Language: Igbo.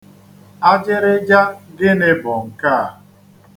Ajịrịja gịnị bụ nke a?